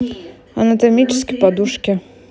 анатомические подушки